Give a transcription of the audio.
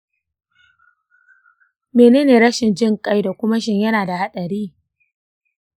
menene rashin jin kai da kuma shin yana da haɗari?